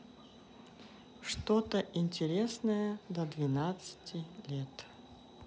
что то интересное до двенадцати лет